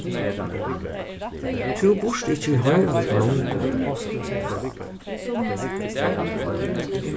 tú býrt ikki í hoyvík longur